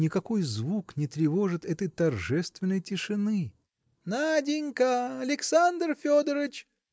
никакой звук не тревожит этой торжественной тишины. – Наденька! Александр Федорыч!